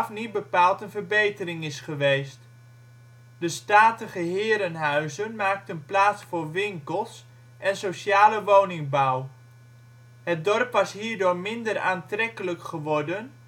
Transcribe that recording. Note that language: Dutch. niet bepaald een verbetering is geweest. De statige herenhuizen maakten plaats voor winkels en sociale woningbouw. Het dorp was hierdoor minder aantrekkelijk geworden